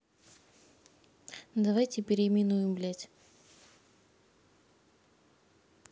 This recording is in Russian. давайте переименуем блядь